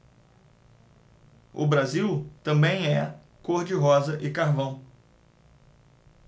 o brasil também é cor de rosa e carvão